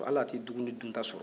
hali a tɛ dumini dunta sɔrɔ